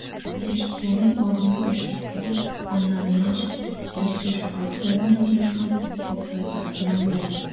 Пелештиләрнең алдынгы өч гаскәре, станнарыннан чыкты: берсе Шугал төбәгендә урнашкан Опра тарафына юнәлде.